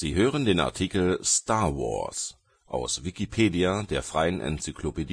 hören den Artikel Star Wars, aus Wikipedia, der freien Enzyklopädie